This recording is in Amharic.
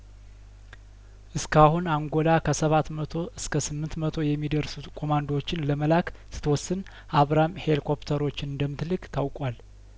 እስካሁን አንጐላ ከሰባት መቶ እስከ ስምንት መቶ የሚደርሱት ኮማንዶዎችን ለመላክ ስትወስን አብራም ሄሊኮፕተሮችን እንደምትልክ ታውቋል